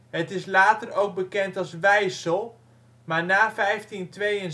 Het is later ook bekend als Wijssel maar na 1572 is